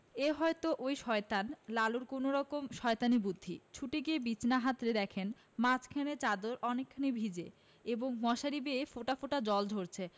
এ হয়ত ঐ শয়তান লালুর কোনরকম শয়তানি বুদ্ধি ছুটে গিয়ে বিছানা হাতড়ে দেখেন মাঝখানে চাদর অনেকখানি ভিজে এবং মশারি বেয়ে ফোঁটা ফোঁটা জল ঝরছে